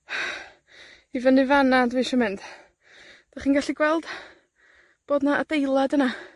I fyny fan 'na dwi isio mynd. 'Dych chi'n gallu gweld? Bod 'na adeilad yna?